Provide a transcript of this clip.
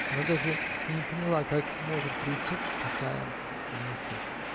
она даже и не поняла бы, как может прийти такая мысль.